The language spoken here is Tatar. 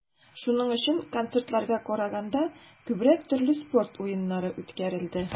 Шуның өчен, концертларга караганда, күбрәк төрле спорт уеннары үткәрелде.